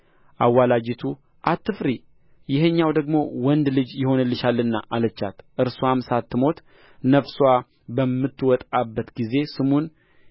አዋላጂቱ አትፍሪ ይኸኛው ደግሞ ወንድ ልጅ ይሆንሻልና አለቻት እርስዋም ስትሞት ነፍስዋ በምትወጣበት ጊዜ ስሙን